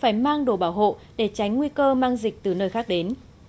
phải mang đồ bảo hộ để tránh nguy cơ mang dịch từ nơi khác đến